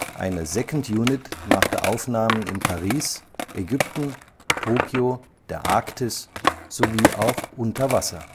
Eine Second Unit machte Aufnahmen in Paris, Ägypten, Tokio, der Arktis sowie auch unter Wasser